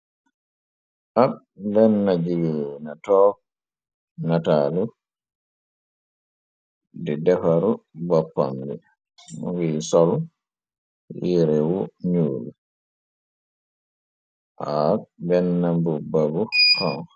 ab benna ji na too nataalu di defaru boppam bi nguy sol yirewu njuuri aak benna bu babu xong